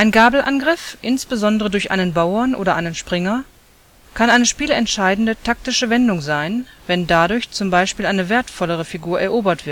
Gabelangriff, insbesondere durch einen Bauern oder einen Springer, kann eine spielentscheidende taktische Wendung sein, wenn dadurch z. B. eine wertvollere Figur erobert